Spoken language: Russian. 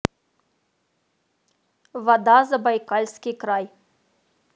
вода забайкальский край